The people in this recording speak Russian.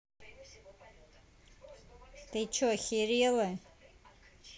ты че охерела